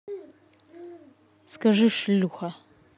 скажи шлюха